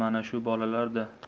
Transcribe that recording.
mana shu bolalarda